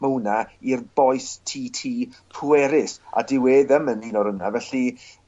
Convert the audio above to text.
ma' wnna i'r bois Tee Tee pwerus a dyw e ddim yn un o r'yna felly ...